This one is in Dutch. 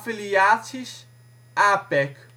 Affilliaties: APEC